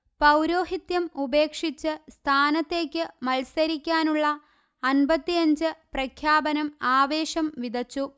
പൌരോഹിത്യം ഉപേക്ഷിച്ച് സ്ഥാനത്തേക്കു മത്സരിക്കാനുള്ള അൻപത്തിയഞ്ച് പ്രഖ്യാപനം ആവേശം വിതച്ചു